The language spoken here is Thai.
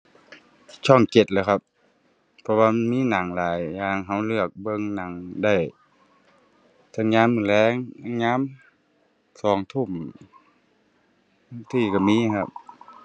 ช่องเจ็ดแหล้วครับ เพราะว่ามันมีหนังหลายอย่าง เราเลือกเบิ่งหนังได้ เทียยามมื้อแลง ยามสองทุ่มบางทีเรามีครับ